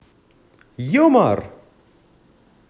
юмор